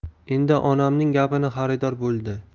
endi onamning gapini xaridor bo'ldi